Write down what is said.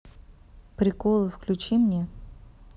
приколы включи мне